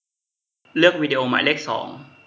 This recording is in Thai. เลือกวิดีโอหมายเลขสอง